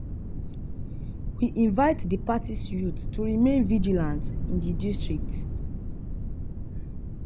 We invite the party's youth to remain vigilant in the districts.